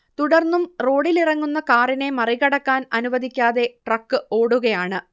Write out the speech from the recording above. തുടർന്നും റോഡിലിറങ്ങുന്ന കാറിനെ മറികടക്കാൻ അനുവദിക്കാതെ ട്രക്ക് ഓടുകയാണ്